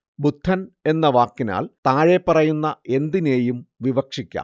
ബുദ്ധൻ എന്ന വാക്കിനാൽ താഴെപ്പറയുന്ന എന്തിനേയും വിവക്ഷിക്കാം